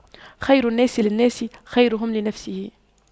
خير الناس للناس خيرهم لنفسه